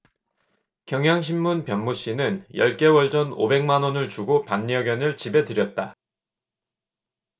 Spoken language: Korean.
경향신문 변모씨는 열 개월 전 오백 만원을 주고 반려견을 집에 들였다